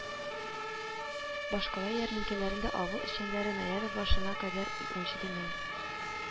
Башкала ярминкәләрендә авыл эшчәннәре ноябрь башына кадәр унҗиде мең